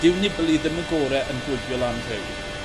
dyw Nibali ddim yn gore' yn gwibio lan rhyw.